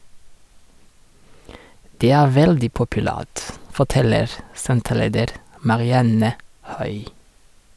Det er veldig populært, forteller senterleder Marianne Høi.